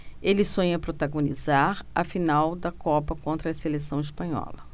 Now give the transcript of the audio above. ele sonha protagonizar a final da copa contra a seleção espanhola